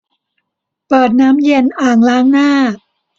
เปิดน้ำเย็นอ่างล้างหน้า